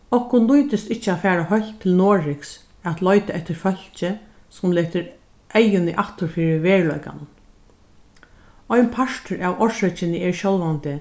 okkum nýtist ikki at fara heilt til noregs at leita eftir fólki sum letur eyguni aftur fyri veruleikanum ein partur av orsøkini er sjálvandi